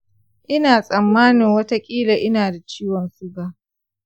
ina tsammanin wataƙila ina da ciwon suga.